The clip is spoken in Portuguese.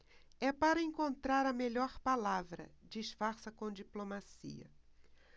é para encontrar a melhor palavra disfarça com diplomacia